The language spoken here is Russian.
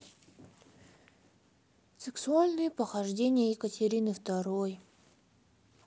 сексуальные похождения екатерины второй